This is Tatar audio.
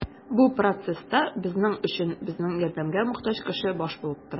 Бу процесста безнең өчен безнең ярдәмгә мохтаҗ кеше баш булып тора.